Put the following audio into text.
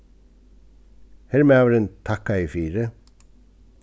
hermaðurin takkaði fyri